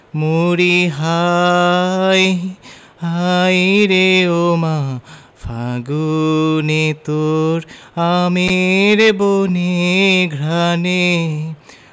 মরিহায় হায়রে ওমা ফাগুনে তোর আমের বনে ঘ্রাণে